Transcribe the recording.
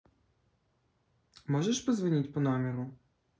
можешь позвонить по номеру